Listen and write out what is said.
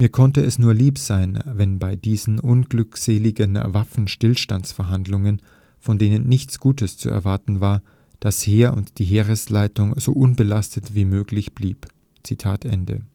konnte es nur lieb sein, wenn bei diesen unglückseligen Waffenstillstands-Verhandlungen, von denen nichts Gutes zu erwarten war, das Heer und die Heeresleitung so unbelastet wie möglich blieb. So entstand